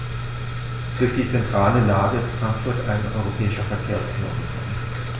Durch die zentrale Lage ist Frankfurt ein europäischer Verkehrsknotenpunkt.